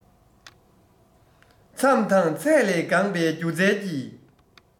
མཚམས དང ཚད ལས འགངས པའི སྒྱུ རྩལ གྱི